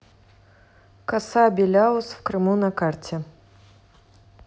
коса беляус в крыму на карте